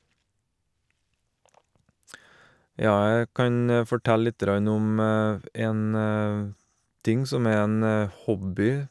Ja, jeg kan fortelle lite grann om en ting som er en hobby.